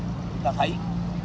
ta thấy